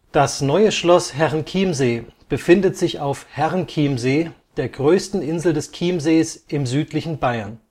Das Neue Schloss Herrenchiemsee befindet sich auf Herrenchiemsee, der größten Insel des Chiemsees im südlichen Bayern